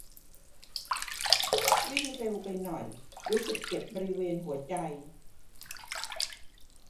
วิ่งเร็วไปหน่อยรู้สึกเจ็บบริเวณหัวใจ